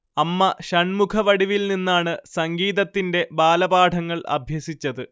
അമ്മ ഷൺമുഖവടിവിൽ നിന്നാണ് സംഗീതത്തിന്റെ ബാലപാഠങ്ങൾ അഭ്യസിച്ചത്